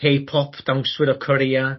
Kay Pop dawnswyr o Corea